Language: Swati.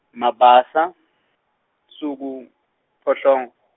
Mabasa lusuku siphohlongo.